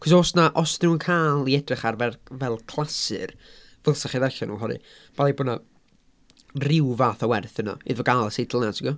Achos oes 'na os 'dyn nhw'n cael i edrych ar fer fel clasur ddylsa chi ddarllen nhw oherwydd probably bod 'na ryw fath o werth yna. Iddo gael y teitl yna ti'n gwybod?